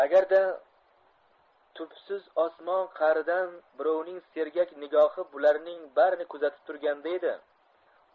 agarda tubsiz osmon qa'ridan birovning sergak nigohi bularning barini kuzatib turganda edi